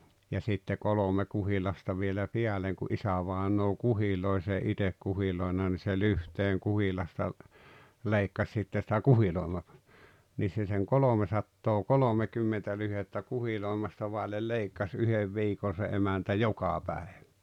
ja sitten kolme kuhilasta vielä päälle kun isävainaja kuhiloi se ei itse kuhiloinut niin se lyhteen kuhilasta leikkasi sitten sitä - niissä se sen kolmesataakolmekymmentä lyhdettä kuhiloimista vaille leikkasi yhden viikon se emäntä joka päivä